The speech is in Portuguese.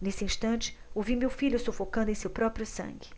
nesse instante ouvi meu filho sufocando em seu próprio sangue